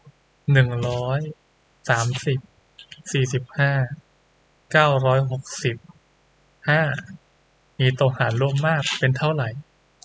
หนึ่งร้อยสามสิบสี่สิบห้าเก้าร้อยหกสิบห้ามีตัวหารร่วมมากเป็นเท่าไหร่